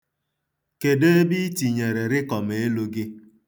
Kedụ ebe i tinyere rịkọmelu gị?